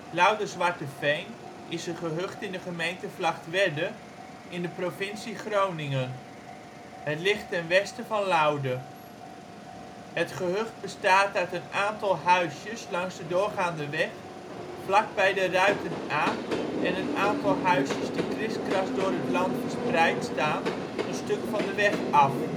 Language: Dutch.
Lauderzwarteveer) is een gehucht in de gemeente Vlagtwedde in de provincie Groningen. Het ligt ten westen van Laude. Het gehucht bestaat uit een aantal huisjes langs de doorgaande weg, vlak bij de Ruiten-Aa en een aantal huisjes die kriskras door het land verspreid staan een stuk van de weg af